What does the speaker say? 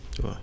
waa